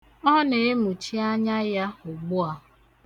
Ọ na-emụchi anya ya ugbu a.